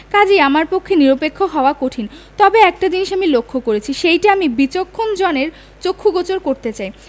কাজেই আমার পক্ষে নিরপেক্ষ হওয়া কঠিন তবে একটা জিনিস আমি লক্ষ করেছি সেইটে আমি বিচক্ষণ জনের চক্ষু গোচর করতে চাই